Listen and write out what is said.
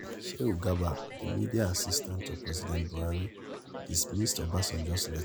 Shehu Garba, the media assistant to President Buhari, dismissed Obasanjo's letter: